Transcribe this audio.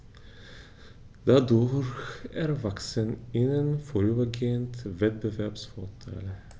Dadurch erwachsen ihnen vorübergehend Wettbewerbsvorteile.